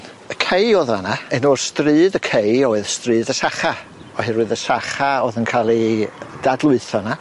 Y cei o'dd fan'na enw'r stryd y cei oedd Stryd Y Sach a oherwydd y sach a o'dd yn ca'l i dadlwytho fan'na.